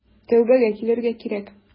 Тәүбәгә килергә кирәк.